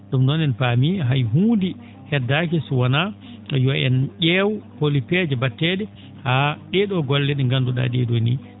?um noon en paami hay huunde heddaaki so wonaa to yo en ?eew holi peeje mba?etee?e haa ?ee ?oo golle ?e ngandu?aa ?ee ?oo ni